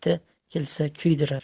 payti kelsa kuydirar